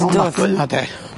O ofnadwy 'ma 'de?